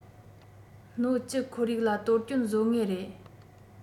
སྣོད བཅུད ཁོར ཡུག ལ གཏོར སྐྱོན བཟོ ངེས རེད